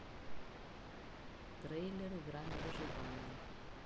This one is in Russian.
трейлер игра на выживание